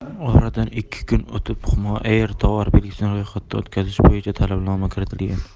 oradan ikki kun o'tib humo air tovar belgisini ro'yxatdan o'tkazish bo'yicha talabnoma kiritilgan